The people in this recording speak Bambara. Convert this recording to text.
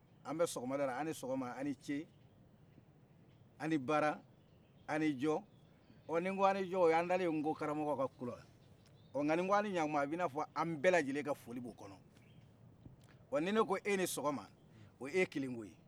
an bɛ sɔgɔma dala ani sɔgɔma aw ni ce a ni baara ani jɔ ɔ ni k'aw ni jɔ o y'an tale ye ŋo karamoko kulula nka nin k'aw ni ɲakuma a b'i nafɔ an bɛ lajɛle ka foli bo kɔnɔ ni ne k'eni sagɔma o ye kelen koye